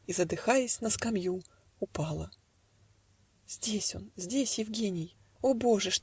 И, задыхаясь, на скамью Упала. "Здесь он! здесь Евгений! О боже!